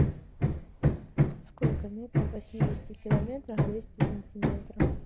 сколько метров в восьмидесяти километрах двести сантиметров